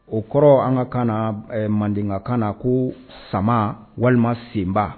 O kɔrɔ an ka kan na mandenkakan na ko sama walima senba